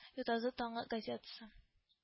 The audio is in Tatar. “ютазы таңы” газетасы